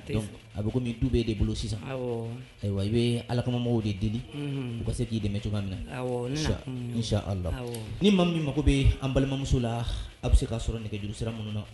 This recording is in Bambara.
A bɛ komin du de bɛ e bolo sisan, ayiwa , i bɛ Allah kama mɔgɔw de deeli unhun, u ka se k'i dɛmɛ cogoya min na, in chaalahu awɔ, ne na kun don. Ninmaa minu mago bɛ an balimamuso la , aw bɛ se k'a sɔrɔ nɛgɛjuru sira mi nu na